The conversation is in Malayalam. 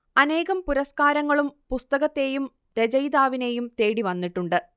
അനേകം പുരസ്കാരങ്ങളും പുസ്തകത്തെയും രചയിതാവിനെയും തേടിവന്നിട്ടുണ്ട്